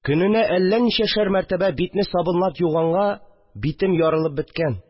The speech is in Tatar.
Көненә әллә ничәшәр мәртәбә битне сабынлап юганга, битем ярылып беткән